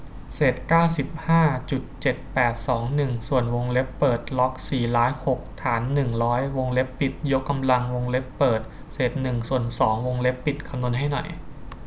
เศษเก้าสิบห้าจุดเจ็ดแปดสองหนึ่งส่วนวงเล็บเปิดล็อกสี่ล้านหกฐานหนึ่งร้อยวงเล็บปิดยกกำลังวงเล็บเปิดเศษหนึ่งส่วนสองวงเล็บปิดคำนวณให้หน่อย